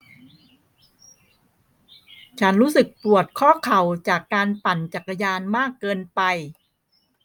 ฉันรู้สึกปวดข้อเข่าจากการปั่นจักรยานมากเกินไป